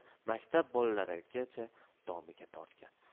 maktab bolalarigacha domiga tortgan